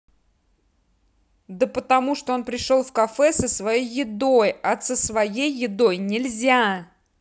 да потому что он пришел в кафе со своей едой от со своей едой нельзя